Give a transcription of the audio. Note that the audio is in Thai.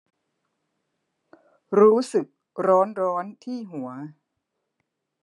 รู้สึกร้อนร้อนที่หัว